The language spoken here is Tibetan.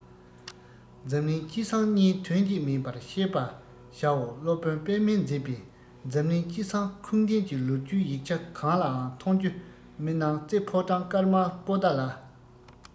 འཛམ གླིང སྤྱི བསང གཉིས དོན གཅིག མིན པར ཤེས པ བྱའོ སློབ དཔོན པདྨས མཛད པའི འཛམ གླིང སྤྱི བསངས ཁུངས ལྡན གྱི ལོ རྒྱུས ཡིག ཆ གང ལའང མཐོང རྒྱུ མི སྣང རྩེ ཕོ བྲང དཀར དམར པོ ཏ ལ